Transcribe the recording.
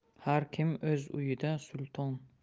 har kim o'z uyida sulton